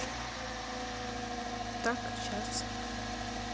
так щас